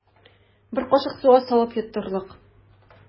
Бер кашык суга салып йотарлык.